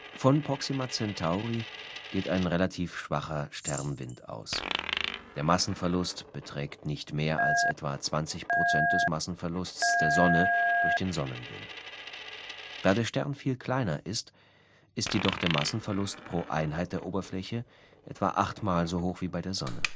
Von Proxima Centauri geht ein relativ schwacher Sternwind aus. Der Massenverlust beträgt nicht mehr als etwa 20 % des Massenverlusts der Sonne durch den Sonnenwind. Da der Stern viel kleiner ist, ist jedoch der Massenverlust pro Einheit der Oberfläche etwa acht Mal so hoch wie bei der Sonne